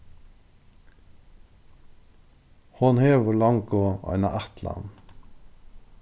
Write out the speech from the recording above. hon hevur longu eina ætlan